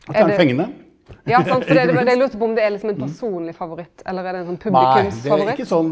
er det ja sant for det det var det eg lurte på om det er liksom ein personleg favoritt, eller er det ein sånn publikumsfavoritt?